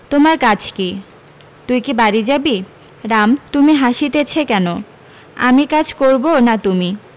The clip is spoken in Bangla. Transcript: তোমার কাজ কী তুই কী বাড়ী যাবি রাম তুমি হাসিতেছে কেন আমি কাজ করবো না তুমি